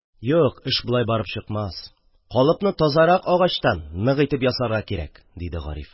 – юк, эш болай барып чыкмас, калыпны тазарак агачтан, нык итеп ясарга кирәк, – диде гариф.